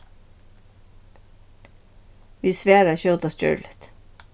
vit svara skjótast gjørligt